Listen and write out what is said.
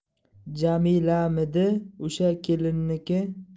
jamilamidi o'sha kelinniki